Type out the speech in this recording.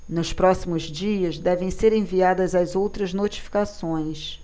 nos próximos dias devem ser enviadas as outras notificações